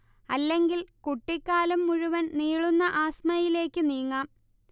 അല്ലെങ്കിൽ കുട്ടിക്കാലം മുഴുവൻ നീളുന്ന ആസ്മയിലേക്ക് നീങ്ങാം